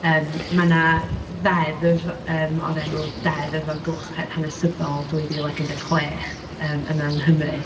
Yym ma' 'na ddeddf o'r enw Deddf Amgylchedd Hanesyddol dwy fil ac un deg chwech yma yng Nghymru.